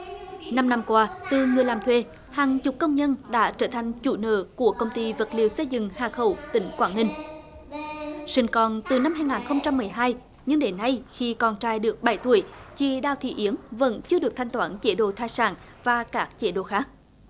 năm năm qua từ người làm thuê hàng chục công nhân đã trở thành chủ nợ của công ty vật liệu xây dựng hà khẩu tỉnh quảng ninh sinh con từ năm hai nghìn không trăm mười hai nhưng đến nay khi con trai được bảy tuổi chị đào thị yến vẫn chưa được thanh toán chế độ thai sản và các chế độ khác